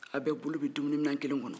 aw bɛɛ bolo bɛ dumuni minan kelen kɔnɔ